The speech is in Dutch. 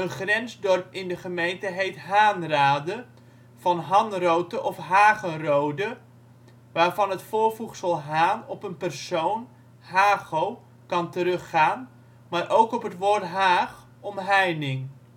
grensdorp in de gemeente heet Haanrade (van Hanrothe of Hagenrode), waarvan het voorvoegsel Haan op een persoon (Hago) kan teruggaan, maar ook op het woord haag (omheining